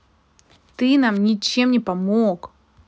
ты нам ничем не помог